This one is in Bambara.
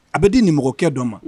A bɛ di nin mɔgɔkɛ dɔ ma